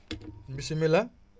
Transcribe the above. bisimilah